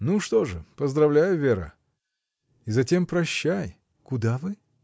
Ну что же, поздравляю, Вера — и затем прощай! — Куда вы?